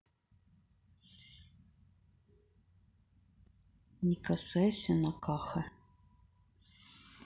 не касайся на каха